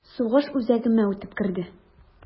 Сугыш үзәгемә үтеп керде...